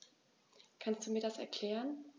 Kannst du mir das erklären?